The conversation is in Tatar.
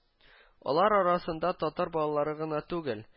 Алар арасында татар балалары гына түгел